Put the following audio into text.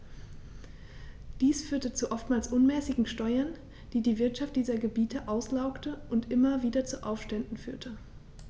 Dies führte zu oftmals unmäßigen Steuern, die die Wirtschaft dieser Gebiete auslaugte und immer wieder zu Aufständen führte.